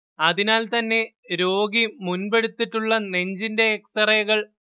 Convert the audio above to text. അതിനാൽ തന്നെ രോഗി മുൻപെടുത്തിട്ടുള്ള നെഞ്ചിന്റെ എക്സറേകൾ